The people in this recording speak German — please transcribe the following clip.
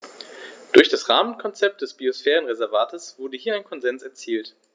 Durch das Rahmenkonzept des Biosphärenreservates wurde hier ein Konsens erzielt.